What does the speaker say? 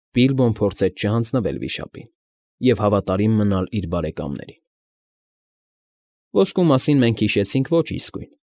Բիլբոն փորձեց չհանձնվել վիշապին և հավատարիմ մնալ իր բարեկամներին,֊ ոսկու մասին մենք հիշեցինք ոչ իսկույն։